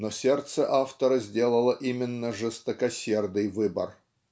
но сердце автора сделало именно жестокосердый выбор.